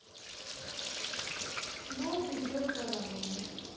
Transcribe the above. вот идет караван